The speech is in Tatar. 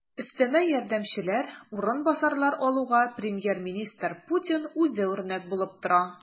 Өстәмә ярдәмчеләр, урынбасарлар алуга премьер-министр Путин үзе үрнәк булып тора.